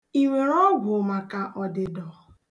I nwere ọgwụ maka ọdịdọ?